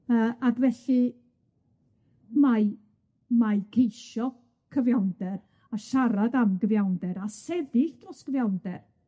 Yy ac felly, mae mae geisio cyfiawnder a siarad am gyfiawnder a sefyll dros gyfiawnder